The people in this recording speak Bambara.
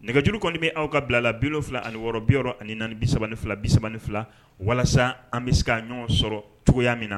Nɛgɛjuru kɔni bɛ aw ka bila la bi fila ani wɔɔrɔ bi ani naani bi3 fila bisa3 fila walasa an bɛ se ɲɔgɔn sɔrɔ cogoya min na